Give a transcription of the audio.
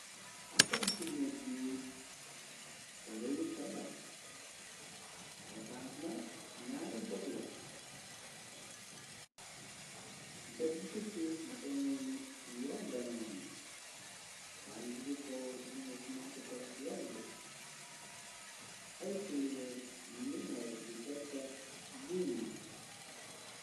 Akam ci nekk bi barewu tabax etancla, ñaari deg la, deg bu ci suuf dafa milni ni yagganaoon, waan busikoow bu nga kumaca tabax yaggool, ay fuluur mini law di toppa buum bi.